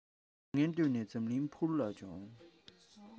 དེ འདྲའི ལུས རྟེན སྡང བའི དགྲ ལ འགྱུར